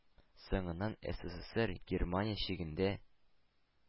Соңыннан эсэсэсэр германия чигендә